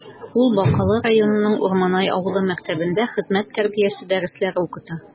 Ул Бакалы районының Урманай авылы мәктәбендә хезмәт тәрбиясе дәресләре укыта.